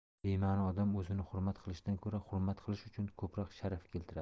bema'ni odam o'zini hurmat qilishdan ko'ra hurmat qilish uchun ko'proq sharaf keltiradi